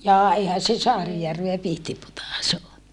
jaa eihän se Saarijärveä Pihtipudas ole